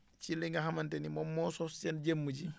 ci li nga xamante ni moom moo sos seen jëmm ji